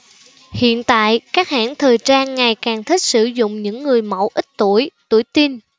hiện tại các hãng thời trang ngày càng thích sử dụng những người mẫu ít tuổi tuổi teen